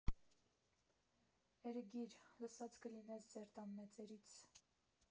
֊ «էրգի՛ր», լսած կլինես ձեր տան մեծերից…